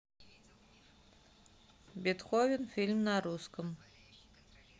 бетховен фильм на русском